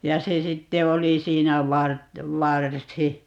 ja se sitten oli siinä - varsi